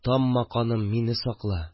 Тамма, каным, мине сакла